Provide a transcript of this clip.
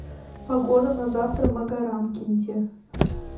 погода на завтра в магарамкенте